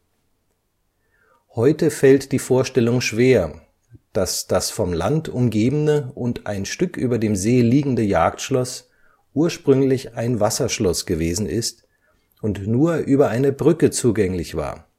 Heute fällt die Vorstellung schwer, dass das von Land umgebene und ein Stück über dem See liegende Jagdschloss ursprünglich ein Wasserschloss gewesen ist und nur über eine Brücke zugänglich war